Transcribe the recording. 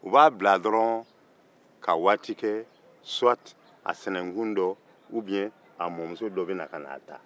u b'a bila dɔrɔn ka wagati kɛ suwate a sinankun dɔ ubiɲɛ a mɔmuso dɔ bɛna k'a ta